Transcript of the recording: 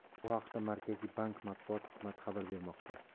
bu haqda markaziy bank matbuot ximati xabar bermoqda